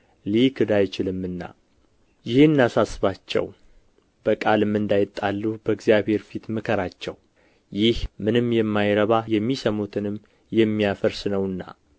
ሊክድ አይችልምና ይህን አሳስባቸው በቃልም እንዳይጣሉ በእግዚአብሔር ፊት ምከራቸው ይህ ምንም የማይረባ የሚሰሙትንም የሚያፈርስ ነውና